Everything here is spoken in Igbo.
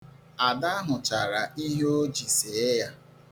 Ada hụchara ihe o ji see ya.